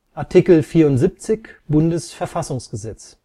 hat (Art. 74 Bundes-Verfassungsgesetz